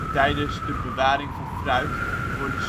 Tijdens de bewaring van fruit worden